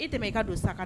I tɛmɛ i ka don sa